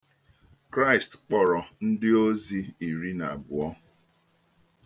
Kraịst kpọrọ ndị ozi iri na abụọ